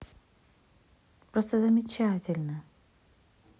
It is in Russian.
просто замечательно